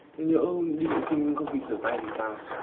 nhỡ đi vệ sinh không kịp rửa tay thì sao